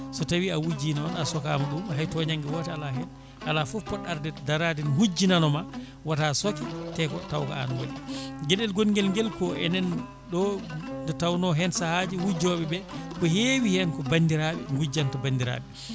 so tawi a wujji noon a sookama ɗum hay toñanggue woote ala hen ala foof poɗɗo arde darade ne hujjinano ma woota sooke te tawko an waɗi gueɗel gonguel guel ko enen ɗo nde tawno hen saahaji wujjoɓeɓe ko heewi hen ko bandirɓe gujjanta bandiraɓe